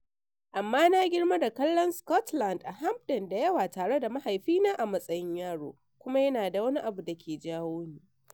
"Amma na girma da kallon Scotland a Hampden da yawa tare da mahaifina a matsayin yaro, kuma yana da wani abu da ke jawoni.